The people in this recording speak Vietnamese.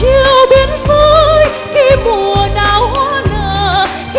chiều biên giới khi mùa đào hoa nở